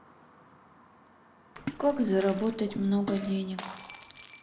как заработать много денег